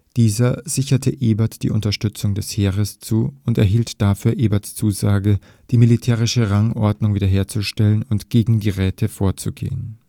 Dieser sicherte Ebert die Unterstützung des Heeres zu und erhielt dafür Eberts Zusage, die militärische Rangordnung wiederherzustellen und gegen die Räte vorzugehen